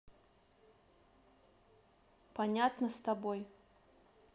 понятно с тобой